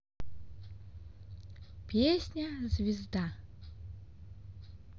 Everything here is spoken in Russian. песня звезда